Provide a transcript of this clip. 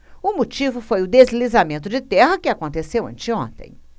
o motivo foi o deslizamento de terra que aconteceu anteontem